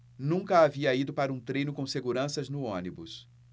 nunca havia ido para um treino com seguranças no ônibus